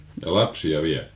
ja lapsia vielä